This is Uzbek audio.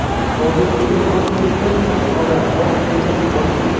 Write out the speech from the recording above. shogirdiga tosh bergan tosh olar bosh bergan bosh olar